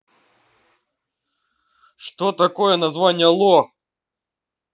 что такое название лох